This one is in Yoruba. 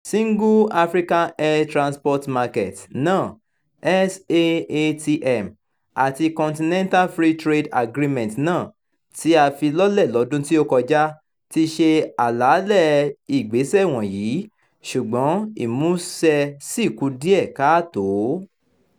Single African Air Transport market náà (SAATM), àti Continental Free Trade Agreement náà, tí a fi lọ́lẹ̀ lọ́dún tí ó kọjá, ti se àlàálẹ̀ ìgbésẹ̀ wọ̀nyí, ṣùgbọ́n ìmúṣẹ ṣì kù díẹ̀ káàtó.